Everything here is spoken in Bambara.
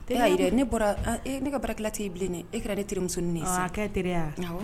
Ee ayi dɛ ,ne bɔra, a e, ne ka baara t'e ye bilen dɛ, e kɛra ne terimusonin de ye sisan. Ɔɔ a kɛra teriya wa ?Awɔ.